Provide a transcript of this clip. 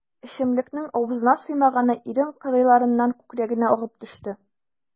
Эчемлекнең авызына сыймаганы ирен кырыйларыннан күкрәгенә агып төште.